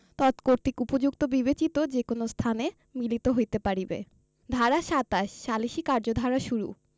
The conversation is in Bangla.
তৎকর্তৃক উপযুক্ত বিবেচিত যে কোন স্থানে মিলিত হইতে পারিবে ধারা ২৭ সালিসী কার্যধারা শুরু